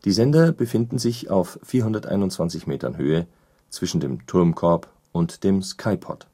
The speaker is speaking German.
Sender befinden sich auf 421 Meter Höhe zwischen dem Turmkorb und dem Sky Pod